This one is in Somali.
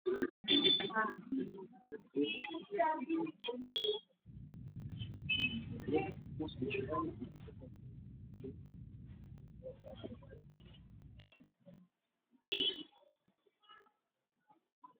Gaari weyn oo saaran tahay booyad